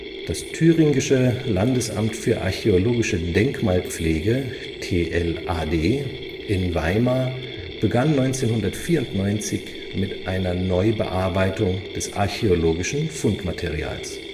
Das Thüringische Landesamt für archäologische Denkmalpflege (TLAD) in Weimar begann 1994 mit einer Neubearbeitung des archäologischen Fundmaterials